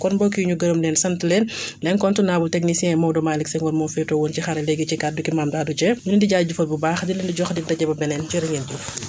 kon mbokk yi ñu gërëm leen sant leen l' incontournable technicien Maodo Malick Senghor moo féetewoon ci xarale gi ci kàddu gi Mame Dado Dieng ñu ngi jaajëfal bu baax di leen di jox dig daje ba beneen jërë ngeen jëf